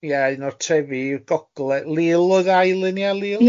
Ie, un o'r trefi i'r gogled- Lille oedd ail un ia Lille?